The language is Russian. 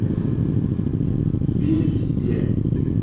бесите